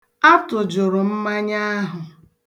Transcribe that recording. A tụjụrụ mmanya ahụ.